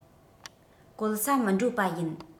བཀོལ ས མི འགྲོ པ ཡིན